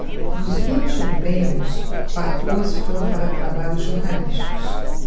dos vinte e um prêmios quatorze foram para trabalhos jornalísticos